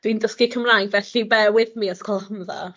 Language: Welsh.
Dwi'n dysgu Cymraeg felly bare with me os gwelwch yn dda.